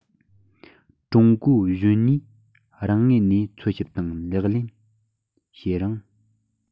ཀྲུང གོའི གཞོན ནུས རང ངོས ནས འཚོལ ཞིབ དང ལག ལེན བྱེད རིང